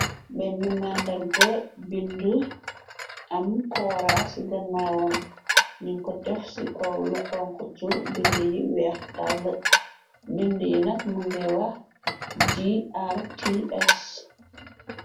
Benne màndarga bindi am koora ci gannaawam ñin ko def ci kow lu xonku chur bindi yi weex tall bindi yi nak më ngay wax grts.